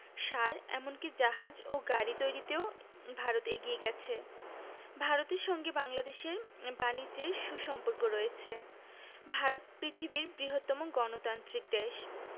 সার এমন কি জাহাজ ও গাড়ি তৈরিতেও ভারত এগিয়ে গেছে ভারতের সঙ্গে বাংলাদেশের বানিজ্যে সু সম্পর্ক রয়েছে ভারত পৃথিবীর বৃহত্তম গণতান্ত্রিক দেশ